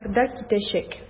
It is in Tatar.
Ахырда китәчәк.